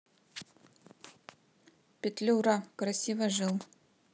петлюра красиво жил